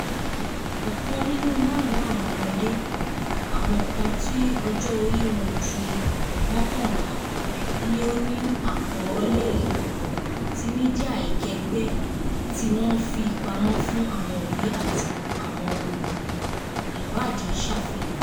Ọkan nínú maarun awọn ọmọde – awọn kan ti ọjọ ori wọn o ju 11 - ni o ni akọọlẹ ikọkọ ti midia ikẹgbẹ ti wọn n fi pamọ fun awọn obi ati awọn olukọ, iwaadi ṣafian